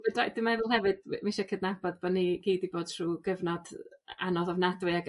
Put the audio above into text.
Weda i dwi meddwl hefyd m- ma' isie cydnabod bo' ni i gyd 'di bod trw' gyfnod yy anodd ofnadwy ag